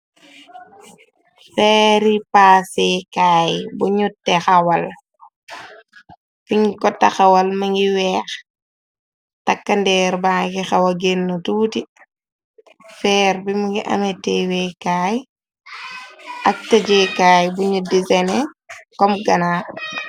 Feeri paaseekaay bu ñu te hawal fiñ ko te hawal ma ngi weeh. Takka ndeer ba gi hawa genn tuuti, feer bi mu ngi ameh teweekaay ak tajeekaay bu ñu disene kom ganar.